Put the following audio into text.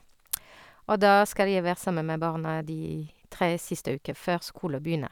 Og da skal jeg være sammen med barna de tre siste uker før skole begynne.